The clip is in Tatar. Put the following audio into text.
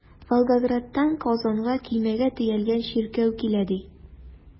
Волгоградтан Казанга көймәгә төялгән чиркәү килә, ди.